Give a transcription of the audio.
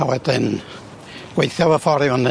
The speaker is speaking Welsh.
A wedyn gweithio fy ffor i fyny